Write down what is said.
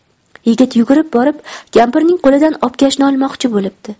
yigit yugurib borib kampirning qo'lidan obkashni olmoqchi bo'libdi